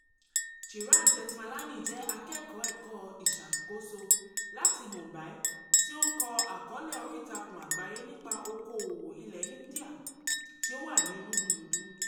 Chirag Jethmalani jẹ́ akẹ́kọ̀ọ́ ẹ̀kọ́ ìṣàkóso láti Mumbai tí ó ń kọ àkọọ́lẹ̀ oríìtakùn àgbáyé nípa òkòwò ilẹ̀ India tí ó wà ní Rúdurùdu.